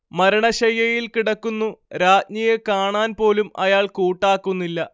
മരണശയ്യയിൽ കിടക്കുന്നു രാജ്ഞിയെ കാണാൻ പോലും അയാൾ കൂട്ടാക്കുന്നില്ല